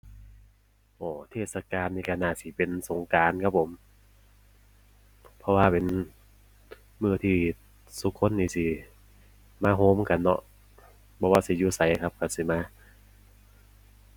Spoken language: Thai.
โอ้ เทศกาลนี่ก็น่าสิเป็นสงกรานต์ครับผม เพราะว่าเป็นมื้อที่ซุคนนี้สิมาโฮมกันเนาะ บ่ว่าสิอยู่ไสครับ ก็สิมา